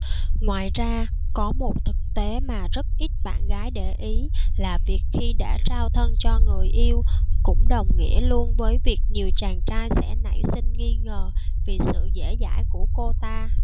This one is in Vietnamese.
ngoài ra có một thực tế mà rất ít bạn gái để ý là việc khi đã trao thân cho người yêu cũng đồng nghĩa luôn với việc nhiều chàng trai sẽ nảy sinh nghi ngờ vì sự dễ dãi của cô ta